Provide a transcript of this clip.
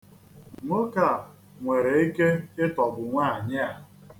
Nwoke a nwere ike ịtọgbu nwaanyị a.